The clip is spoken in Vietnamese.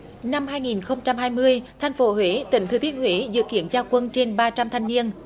năm hai nghìn không trăm hai mươi thành phố huế tỉnh thừa thiên huế dự kiến cho quân trên ba trăm thanh niên